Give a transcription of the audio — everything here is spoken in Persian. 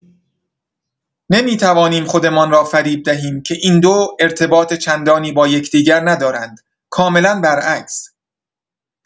نمی‌توانیم خودمان را فریب دهیم که این دو ارتباط چندانی با یکدیگر ندارند، کاملا برعکس.